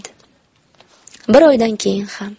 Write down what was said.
bir oydan keyin ham